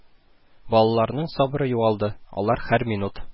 Балаларның сабыры югалды, алар һәр минут: